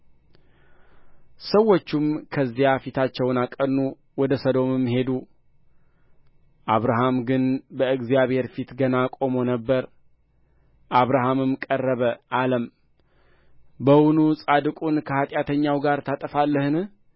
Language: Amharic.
ሰዎቹም ከዚያ ፊታቸውን አቀኑ ወደ ሰዶምም ሄዱ አብርሃም ግን በእግዚአብሔር ፊት ገና ቆሞ ነበር አብርሃምም ቀረበ አለም በውኑ ጻድቁን ከኃጢአተኛ ጋር ታጠፋለህን